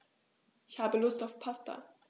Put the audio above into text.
Ich habe Lust auf Pasta.